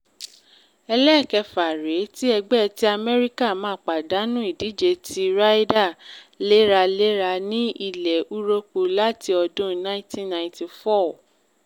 Ẹlẹ́kẹ̀ẹfà rèé tí ẹgbẹ́ ti Amẹ́ríkà máa pàdánù ìdíje ti Ryder léraléra ní ilẹ̀ Úróópù láti ọdún 1994